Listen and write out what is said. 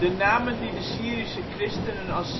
namen die de Syrische christenen als